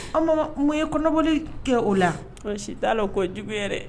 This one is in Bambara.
O tuma na mun ye kɔnɔoli kɛ o la o si t'a la kojugu ye yɛrɛ.